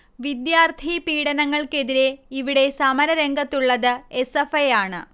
വിദ്യാർത്ഥി പീഡനങ്ങൾക്കെതിരെ ഇവിടെ സമര രംഗത്തുള്ളത് എസ്. എഫ്. ഐ യാണ്